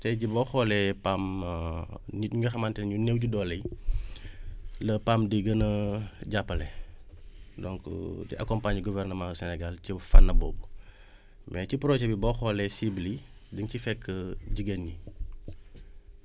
tey jii boo xoolee PAM nit ñi nga xamante ni néew di doole yi la PAM di gën a jàppale donc di accompagner gouvernement Sénégal ci fànn boobu mais ci projet bi boo xoolee cibles yi di nga ci fekk jigéen ñi